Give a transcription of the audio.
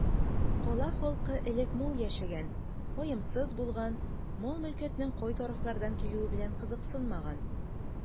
Кала халкы элек мул яшәгән, ваемсыз булган, мал-мөлкәтнең кай тарафлардан килүе белән кызыксынмаган.